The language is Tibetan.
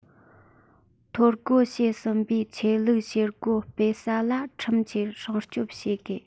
ཐོ འགོད བྱས ཟིན པའི ཆོས ལུགས བྱེད སྒོ སྤེལ ས ལ ཁྲིམས ཀྱིས སྲུང སྐྱོབ བྱེད དགོས